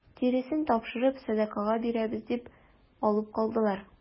Тиресен тапшырып сәдакага бирәбез дип алып калдылар.